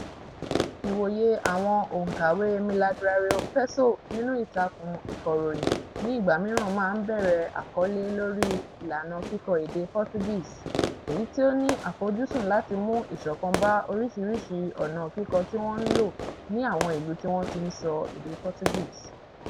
Ìwòye àwọn òǹkàwé Milagrário Pessoal nínú ìtàkùn ìkọ̀ròyìn ní ìgbà mìíràn máa ń bẹ̀rẹ̀ àkọlé lórí ìlànà kíkọ èdè Portuguese, èyí tí ó ní àfojúsùn láti mú ìṣọ̀kan bá oríṣiríṣi ọ̀nà kíkọ tí wọ́n ń lò ní àwọn ìlú tí wọ́n tí ń sọ èdè Portuguese.